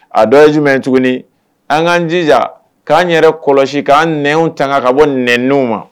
A dɔ ji jumɛn tuguni an kaan jija k'an yɛrɛ kɔlɔsi k'an nw taga ka bɔ nenw ma